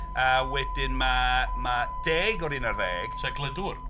A wedyn ma- ma' deg o'r un ar ddeg… Sef Glyndŵr?...